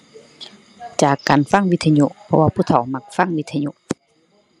จากการฟังวิทยุเพราะว่าผู้เฒ่ามักฟังวิทยุ